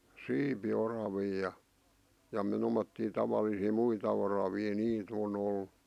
siipioravia ja ja - tuommoisia tavallisia muita oravia niitä on ollut